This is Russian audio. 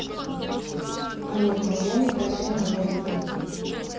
олег майами прощай моя любовь